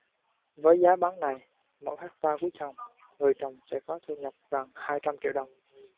với giá bán này mỗi hecta quýt hồng người trồng sẽ có thu nhập gần hai trăm triệu đồng